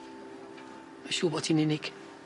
Ma' siŵr bot hi'n unig.